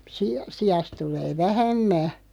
- siasta tulee vähemmän